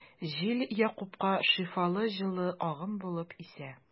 Җил Якупка шифалы җылы агым булып исә.